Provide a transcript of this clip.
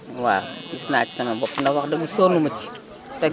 waaw gis naa ci sama bopp ndax wax dëgg sonnu ma ci te